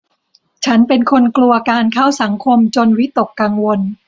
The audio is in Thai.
ฉันเป็นคนกลัวการเข้าสังคมจนวิตกกังวล